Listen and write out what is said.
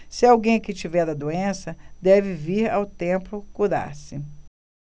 se alguém aqui tiver a doença deve vir ao templo curar-se